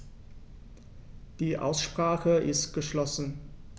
Die Aussprache ist geschlossen.